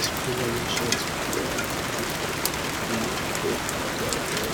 Isgul waye meshan oo arday joogto waxaa fadhiyan dhar